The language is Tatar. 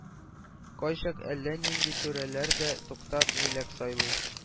– кайчак әллә нинди түрәләр дә, туктап, җиләк сайлый.